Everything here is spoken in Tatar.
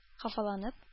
Хафаланып